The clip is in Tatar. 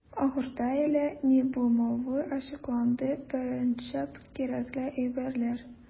Ахырда, әллә ни булмавы ачыкланды - беренчел кирәкле әйберләр.